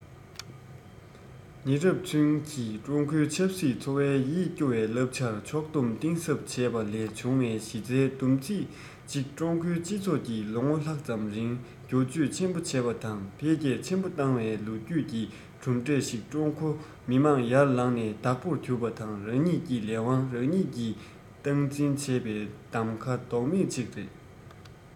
ཉེ རབས ཚུན གྱི ཀྲུང གོའི ཆབ སྲིད འཚོ བའི ཡིད སྐྱོ བའི བསླབ བྱར ཕྱོགས སྡོམ གཏིང ཟབ བྱས པ ལས བྱུང བའི གཞི རྩའི བསྡོམས ཚིག ཅིག ཀྲུང གོའི སྤྱི ཚོགས ཀྱིས ལོ ངོ ལྷག ཙམ རིང སྒྱུར བཅོས ཆེན པོ བྱས པ དང འཕེལ རྒྱས ཆེན པོ བཏང བའི ལོ རྒྱུས ཀྱི གྲུབ འབྲས ཤིག ཀྲུང གོ མི དམངས ཡར ལངས ནས བདག པོར གྱུར པ དང རང ཉིད ཀྱི ལས དབང རང ཉིད ཀྱིས སྟངས འཛིན བྱས པའི གདམ ག ལྡོག མེད ཅིག རེད